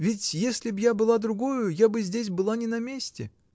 Ведь если б я была другою, я бы здесь была не на месте.